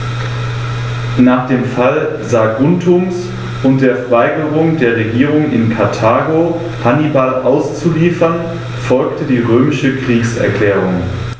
Nach dem Fall Saguntums und der Weigerung der Regierung in Karthago, Hannibal auszuliefern, folgte die römische Kriegserklärung.